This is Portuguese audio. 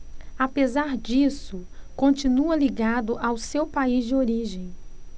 apesar disso continua ligado ao seu país de origem